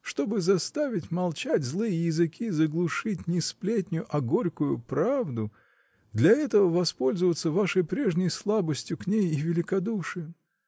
Чтобы заставить молчать злые языки, заглушить не сплетню, а горькую правду, — для этого воспользоваться вашей прежней слабостью к ней и великодушием?